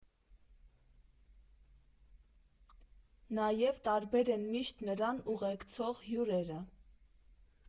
Նաև տարբեր են միշտ նրան ուղեկցող հյուրերը։